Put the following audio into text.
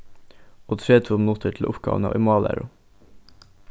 og tretivu minuttir til uppgávuna í mállæru